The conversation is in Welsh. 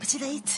Be' ti ddeud?